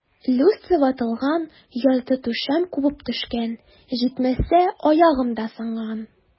Люстра ватылган, ярты түшәм кубып төшкән, җитмәсә, аягым да сынган.